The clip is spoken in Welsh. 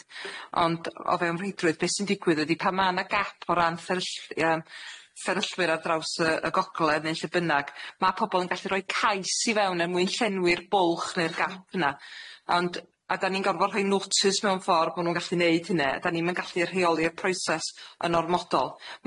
Ond o fewn rheidrwydd be' sy'n digwydd ydi pan ma' na gap o ran fferyllf- iawn fferyllwyr ar draws y y gogledd neu lle bynnag ma' pobol yn gallu roi cais i fewn er mwyn llenwi'r bwlch ne'r gap yna ond a da ni'n gorfod rhoi notice mewn ffor bo' nw'n gallu neud hynne da ni'm yn gallu rheoli'r proses yn ormodol.